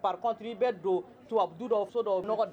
Pakt i bɛ don so